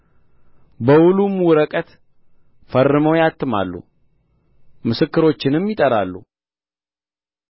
በውሉም ወረቀት ፈርመው ያትማሉ ምስክሮችንም ይጠራሉ